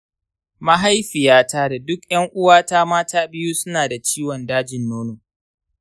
mahaifiyata da duka ƴan-uwanta mata biyu su na da ciwon dajin nono